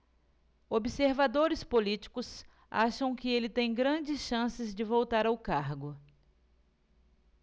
observadores políticos acham que ele tem grandes chances de voltar ao cargo